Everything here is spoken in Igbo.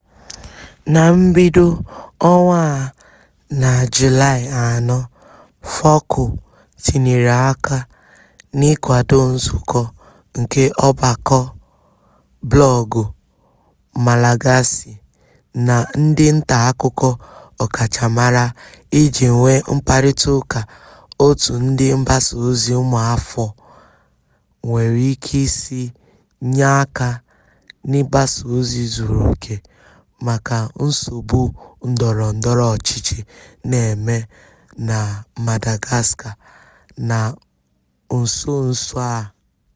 Na mbido ọnwa a (na Julaị 4) FOKO tinyere aka n'ịkwado nzụkọ nke ọgbakọ blọọgụ Malagasy na ndị ntaakụkọ ọkachamara iji nwee mkparịtaụka otú ndị mgbasaozi ụmụafọ nwere ike si nye aka n'ịgbasa ozi zuru oke maka nsogbu ndọrọndọrọ ọchịchị na-eme na Madagascar na nso nso a.